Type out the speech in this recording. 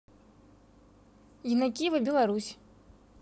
енакиево беларусь